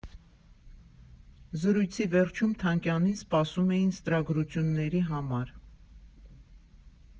Զրույցի վերջում Թանկյանին սպասում էին ստրագրությունների համար.